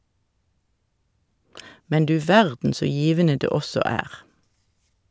Men du verden så givende det også er.